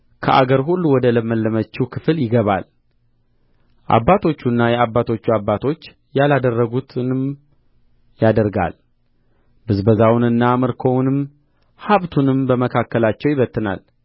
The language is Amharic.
ከአገር ሁሉ ወደ ለመለመችው ክፍል ይገባል አባቶቹና የአባቶቹ አባቶች ያላደረጉትንም ያደርጋል ብዝበዛውንና ምርኮውንም ሀብቱንም በመካከላቸው ይበትናል